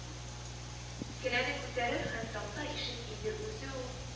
Келәне күтәрер һәм такта ишек ин инде үзе үк